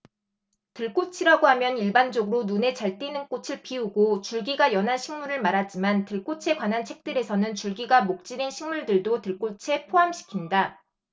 들꽃이라고 하면 일반적으로 눈에 잘 띄는 꽃을 피우고 줄기가 연한 식물을 말하지만 들꽃에 관한 책들에서는 줄기가 목질인 식물들도 들꽃에 포함시킨다